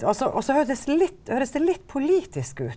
og så og så høres litt høres det litt politisk ut.